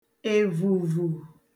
èvùvù